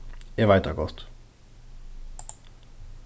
eg veit tað gott